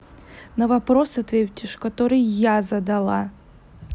на вопрос ответишь который я задала